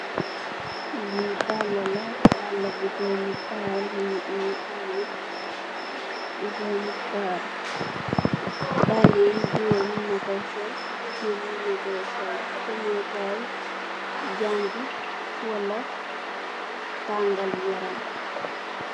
Lii daalah la, daalah bu dormi taal, mungy ameh lu dormi taal, daalah bii gorre munakoi sol, gigain munakoi sol, dehmeh kaii, jaangeh kaii gui wala tangal yaram.